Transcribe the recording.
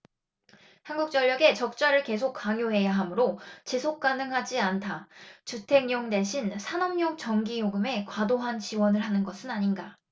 한국전력에 적자를 계속 강요해야 하므로 지속 가능하지 않다 주택용 대신 산업용 전기요금에 과도한 지원을 하는 것은 아닌가